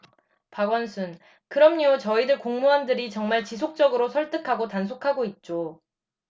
박원순 그럼요 저희들 공무원들이 정말 지속적으로 설득하고 단속하고 있죠